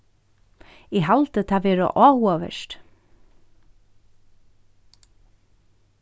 eg haldi tað vera áhugavert